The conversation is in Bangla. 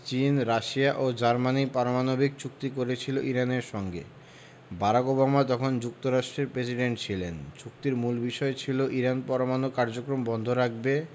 চীন রাশিয়া ও জার্মানি পারমাণবিক চুক্তি করেছিল ইরানের সঙ্গে বারাক ওবামা তখন যুক্তরাষ্ট্রের প্রেসিডেন্ট ছিলেন চুক্তির মূল বিষয় ছিল ইরান পরমাণু কার্যক্রম বন্ধ রাখবে